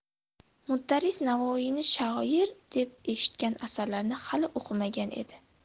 mudarris navoiyni shoir deb eshitgan asarlarini hali o'qimagan edi